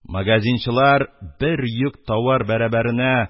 Магазинчылар, бер йөк товар бәрабәренә,